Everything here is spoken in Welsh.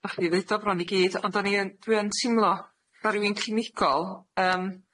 Dach chi ddeud o bron i gyd ond o'n i yn- dwi yn timlo fel rywun clinigol, yym